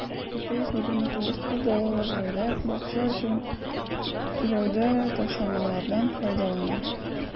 229 күп балалы гаилә бакча өчен түләүдә ташламалардан файдалана.